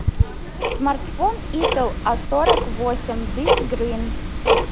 смартфон итл а сорок восемь this green